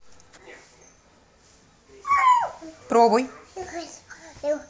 пробуй